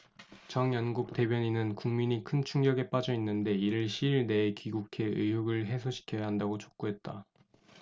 정연국 대변인은 국민이 큰 충격에 빠져 있는데 이른 시일 내에 귀국해 의혹을 해소시켜야 한다고 촉구했다